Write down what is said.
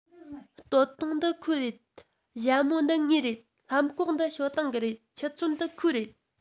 སྟོད ཐུང འདི ཁོའི རེད ཞྭ མོ འདི ངའི རེད ལྷམ གོག འདི ཞའོ ཏིང གི རེད ཆུ ཚོད འདི ཁོའི རེད